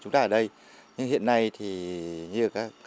chúng ta ở đây nhưng hiện nay thì ờ như các